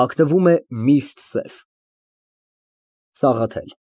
Հագնվում է միշտ սև։ ՍԱՂԱԹԵԼ ֊